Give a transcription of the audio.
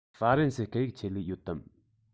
ཧྥ རན སིའི སྐད ཡིག ཆེད ལས ཡོད དམ